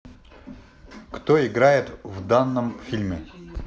кто играет в данном фильме